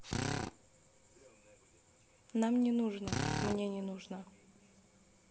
нам не нужно мне не нужно